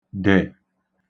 dè